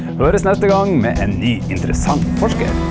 høres neste gang med en ny interessant forsker.